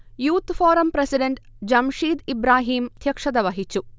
youth forum president Jamsheed Ibrahim അദ്ധ്യക്ഷത വഹിച്ചു